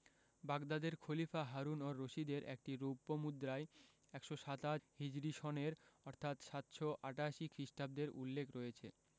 বাগদাদের খলিফা হারুন অর রশিদের একটি রৌপ্য মুদ্রায় ১২৭ হিজরি সনের অর্থাৎ ৭৮৮ খ্রিটাব্দের উল্লেখ রয়েছে